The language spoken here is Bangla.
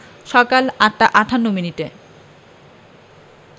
সকাল ৯টা ৫৮মিনিট